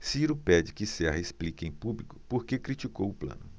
ciro pede que serra explique em público por que criticou plano